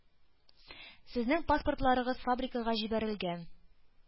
Сезнең паспортларыгыз фабрикага җибәрелгән.